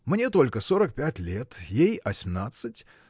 – Мне только сорок пять лет, ей осьмнадцать